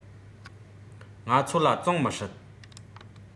ང ཚོ ལ བཙོང མི སྲིད